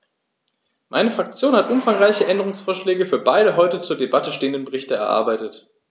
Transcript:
Meine Fraktion hat umfangreiche Änderungsvorschläge für beide heute zur Debatte stehenden Berichte erarbeitet.